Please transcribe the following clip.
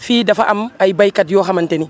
fii dafa am ay béykat yoo xamante ni